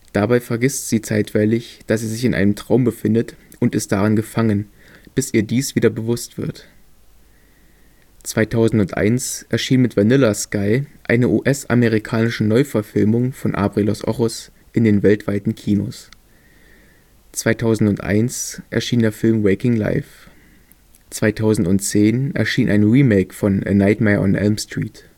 Dabei vergisst sie zeitweilig, dass sie sich in einem Traum befindet und ist darin gefangen, bis ihr dies wieder bewusst wird. 2001 erschien mit Vanilla Sky eine US-amerikanische Neuverfilmung von Abre los ojos in den weltweiten Kinos. 2001: Waking Life 2010 erschien ein Remake von A Nightmare on Elm Street